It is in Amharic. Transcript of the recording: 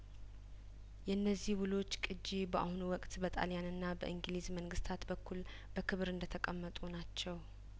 የእነዚህ ውሎች ቅጂ በአሁኑ ወቅት በጣሊያንና በእንግሊዝ መንግስታት በኩል በክብር እንደተቀመጡ ናቸው